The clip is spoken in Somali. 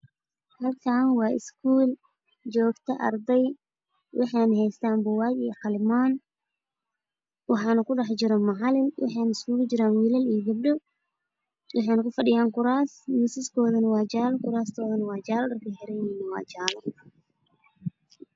Waa iskuul waxaa joogo arday waxay heystaan buug iyo qalimaan. Waxaa kudhex jiro macalin waxayna iskugu jiraan wiilal iyo gabdho waxay kufadhiyaan kuraasman iyo miisas oo jaale ah dharkay xiran yihiin waa jaale.